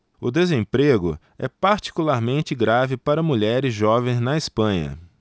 o desemprego é particularmente grave para mulheres jovens na espanha